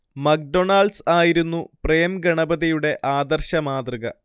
McDonald's ആയിരുന്നു പ്രേം ഗണപതിയുടെ ആദർശ മാതൃക